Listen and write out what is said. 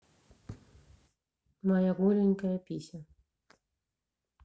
моя голенькая пися